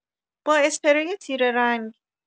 با اسپری تیره‌رنگ